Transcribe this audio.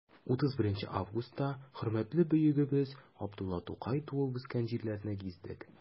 31 августта хөрмәтле бөегебез габдулла тукай туып үскән җирләрне гиздек.